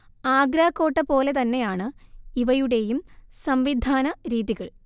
ആഗ്രാകോട്ടപോലെ തന്നെയാണ് ഇവയുടെയും സംവിധാനരീതികൾ